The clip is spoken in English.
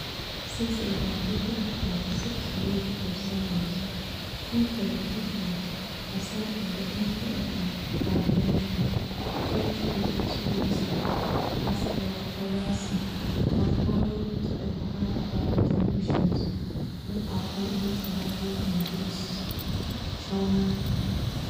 Since the evacuation of 36 rue Botzaris, few polititians – aside from the MP of the Ardèche French constituency, Pascal Terrasse – have bothered to enquire about the Tunisians who are currently surviving in Buttes Chaumont Park.